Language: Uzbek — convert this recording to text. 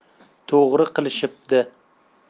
to'g'ri qilishibdi